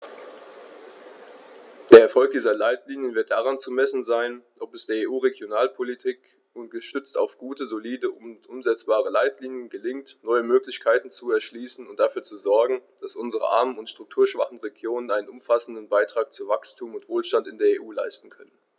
Der Erfolg dieser Leitlinien wird daran zu messen sein, ob es der EU-Regionalpolitik, gestützt auf gute, solide und umsetzbare Leitlinien, gelingt, neue Möglichkeiten zu erschließen und dafür zu sogen, dass unsere armen und strukturschwachen Regionen einen umfassenden Beitrag zu Wachstum und Wohlstand in der EU leisten können.